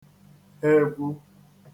egwu